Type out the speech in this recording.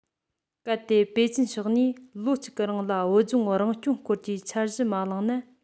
གལ ཏེ པེ ཅིན ཕྱོགས ནས ལོ གཅིག གི རིང ལ བོད ལྗོངས རང སྐྱོང སྐོར གྱི འཆར གཞི མ གླེང ན